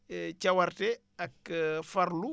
cawarte ak farlu